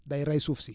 day rey suuf si